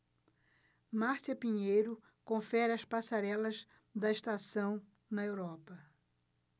márcia pinheiro confere as passarelas da estação na europa